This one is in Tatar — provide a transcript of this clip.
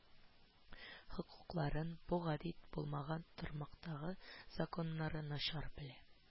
Хокукларын, бу гади булмаган тармактагы законнарны начар белә